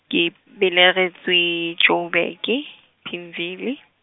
ke belegetšwe Joburg ke, Pimville.